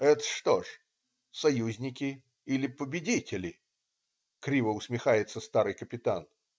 "Это что же, союзники иль победители?" - криво усмехается старый капитан.